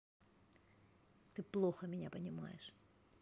ты плохо меня понимаешь